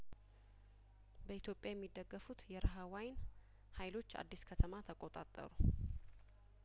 በኢትዮጵያ የሚደገፉት የራሀዋይን ሀይሎች አዲስ ከተማ ተቆጣጠሩ